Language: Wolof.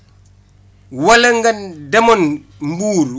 wala nga demoon Mbour